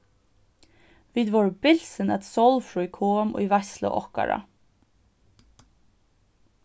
vit vóru bilsin at sólfríð kom í veitslu okkara